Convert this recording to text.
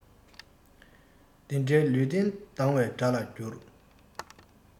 དེ འདྲའི ལུས རྟེན སྡང བའི དགྲ ལ འགྱུར